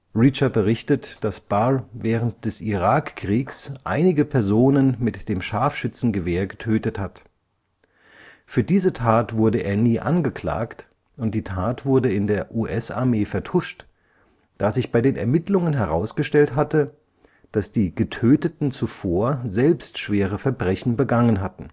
Reacher berichtet, dass Barr während des Irakkriegs einige Personen mit dem Scharfschützengewehr getötet hat. Für diese Tat wurde er nie angeklagt, und die Tat wurde in der US-Armee vertuscht, da sich bei den Ermittlungen herausgestellt hatte, dass die Getöteten zuvor selbst schwere Verbrechen begangen hatten